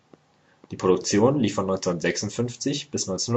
Die Produktion lief von 1956 bis 1959